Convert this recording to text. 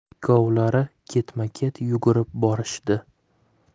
ikkovlari ketma ket yugurib borishdi